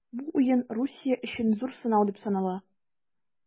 Бу уен Русия өчен зур сынау дип санала.